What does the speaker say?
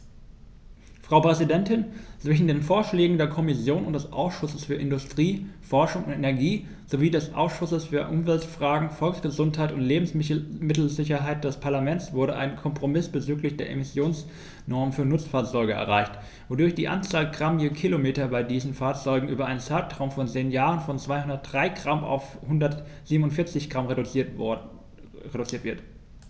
Frau Präsidentin, zwischen den Vorschlägen der Kommission und des Ausschusses für Industrie, Forschung und Energie sowie des Ausschusses für Umweltfragen, Volksgesundheit und Lebensmittelsicherheit des Parlaments wurde ein Kompromiss bezüglich der Emissionsnormen für Nutzfahrzeuge erreicht, wodurch die Anzahl Gramm je Kilometer bei diesen Fahrzeugen über einen Zeitraum von zehn Jahren von 203 g auf 147 g reduziert wird.